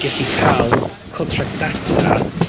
gellu ca'l contract data